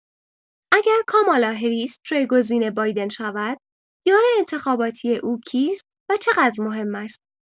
اگر کامالا هریس جایگزین بایدن شود، یار انتخاباتی او کیست و چه‌قدر مهم است؟